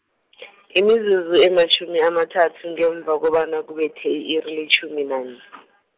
imizuzu ematjhumi amathathu ngemva kobana kubethe i-iri letjhumi nanye .